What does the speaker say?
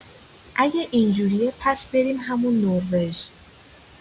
اگه اینجوریه پس بریم همون نروژ